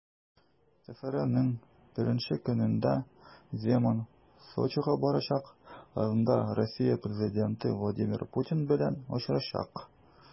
Сәфәренең беренче көнендә Земан Сочига барачак, анда Россия президенты Владимир Путин белән очрашачак.